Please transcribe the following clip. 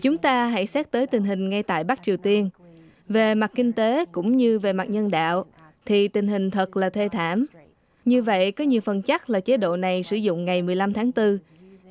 chúng ta hãy xét tới tình hình ngay tại bắc triều tiên về mặt kinh tế cũng như về mặt nhân đạo thì tình hình thật là thê thảm như vậy có nhiều phần chắc là chế độ này sử dụng ngày mười lăm tháng tư